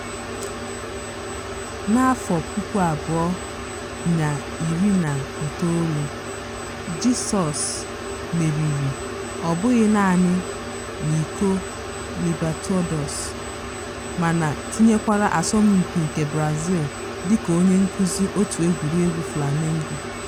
Na 2019, Jizọs meriri ọ bụghị naanị n'Iko Libertadores, mana tinyekwara Asọmpi nke Brazil dịka onye nkụzi òtù egwuregwu Flamengo.